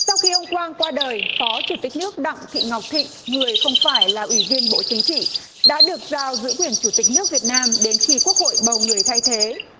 sau khi ông quang qua đời phó chủ tịch nước đặng thị ngọc thịnh người không phải là ủy viên bộ chính trị đã được giao giữ quyền chủ tịch nước việt nam đến khi quốc hội bầu người thay thế